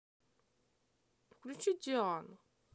включи диану